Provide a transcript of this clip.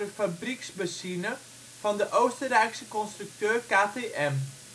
fabrieksmachine van de Oostenrijkse constructeur KTM. A.S.O.